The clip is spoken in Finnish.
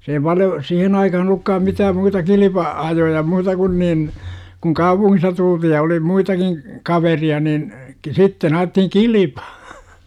se ei paljon siihen aikaan ollutkaan mitään muuta - kilpa-ajoja muuta kuin niin kun kaupungista tultiin ja oli muitakin kaveria niin - sitten ajettiin kilpaa